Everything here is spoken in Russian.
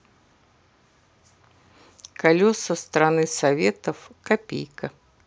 колеса страны советов копейка